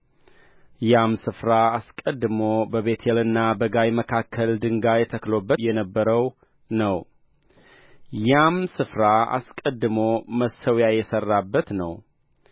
በዚያም አብራም የእግዚአብሔርን ስም ጠራ ከአብራም ጋር የሄደው ሎጥ ደግሞ የላምና የበግ መንጋ ድንኳንም ነበረው